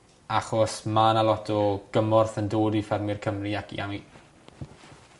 Achos ma' 'na lot o gymorth yn dod i ffermwyr Cymru ac i ami-